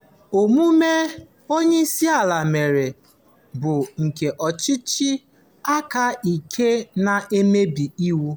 Omume onyeisiala mere bụ nke ọchịchị aka ike ma mmebi iwu.